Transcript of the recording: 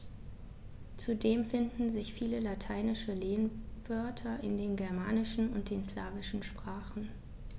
Zudem finden sich viele lateinische Lehnwörter in den germanischen und den slawischen Sprachen.